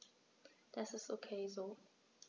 Das ist ok so.